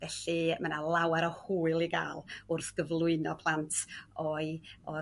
felly ma' 'na lawer o hwyl i ga'l wrth gyflwyno plant o o'r